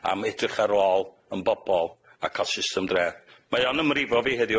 ymgynghoriad ac yn gofyn iddynt annog y cynghora' cymuned i ymateb.